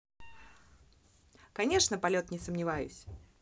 конечно полет не сомневаюсь